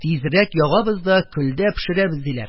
Тизрәк ягабыз да көлдә пешерәбез, - диләр.